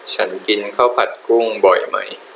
ฉันกินข้าวผัดกุ้งบ่อยไหม